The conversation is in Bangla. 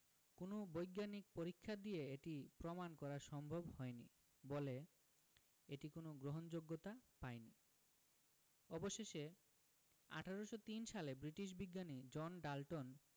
কোনো বৈজ্ঞানিক পরীক্ষা দিয়ে এটি প্রমাণ করা সম্ভব হয়নি বলে এটি কোনো গ্রহণযোগ্যতা পায়নি অবশেষে ১৮০৩ সালে ব্রিটিশ বিজ্ঞানী জন ডাল্টন